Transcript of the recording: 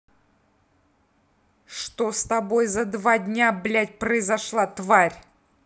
что с тобой за два дня блядь произошла тварь